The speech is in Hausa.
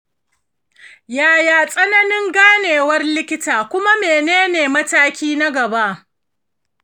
yaya tsananin ganewar likitina kuma mene ne mataki na gaba?